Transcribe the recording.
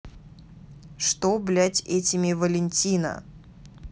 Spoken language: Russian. что блять этими валентина